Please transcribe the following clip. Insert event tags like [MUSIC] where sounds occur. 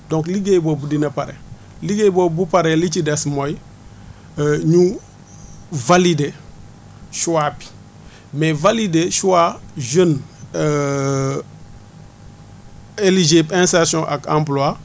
donc liggéey boobu dina pare loggéey boobu bu paree li ci des mooy [HESITATION] ñu valider soit mais valider soit jeune [HESITATION] éligible insertion ak emploie